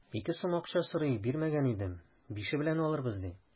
Ике сум акча сорый, бирмәгән идем, бише белән алырбыз, ди.